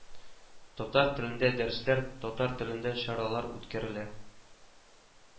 Татар телендә дәресләр, татар телендә чаралар үткәрелә